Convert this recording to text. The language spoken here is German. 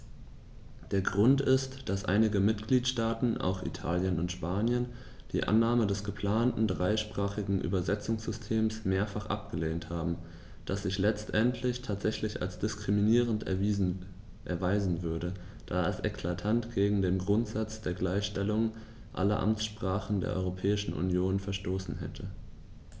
Der Grund ist, dass einige Mitgliedstaaten - auch Italien und Spanien - die Annahme des geplanten dreisprachigen Übersetzungssystems mehrfach abgelehnt haben, das sich letztendlich tatsächlich als diskriminierend erweisen würde, da es eklatant gegen den Grundsatz der Gleichstellung aller Amtssprachen der Europäischen Union verstoßen hätte.